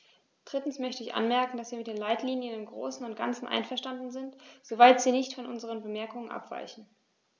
Drittens möchte ich anmerken, dass wir mit den Leitlinien im großen und ganzen einverstanden sind, soweit sie nicht von unseren Bemerkungen abweichen.